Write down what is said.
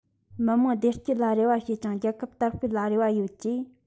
མི དམངས བདེ སྐྱིད ལ རེ བ བྱེད ཅིང རྒྱལ ཁབ དར སྤེལ ལ རེ བ ཡོད ཅེས